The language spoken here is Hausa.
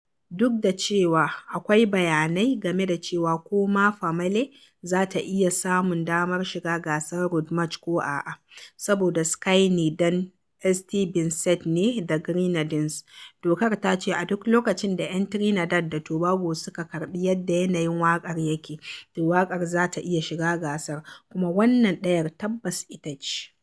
Duk da cewa akwai bayanai game da cewa ko ma "Famalay" za ta iya samun damar shiga gasar Road March ko a'a, saboda Skinny ɗan St. ɓincent ne da Grenadines, dokar ta ce a duk lokcin da 'yan Trinidad da Tobago suka karɓi yadda yanayin waƙar yake, to waƙar za ta iya shiga gasar - kuma wannan ɗayar tabbas ita ce.